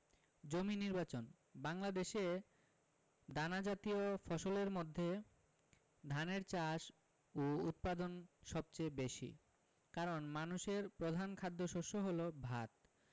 জমি নির্বাচনঃ বাংলাদেশে দানাজাতীয় ফসলের মধ্যে ধানের চাষ ও উৎপাদন সবচেয়ে বেশি কারন মানুষের প্রধান খাদ্যশস্য হলো ভাত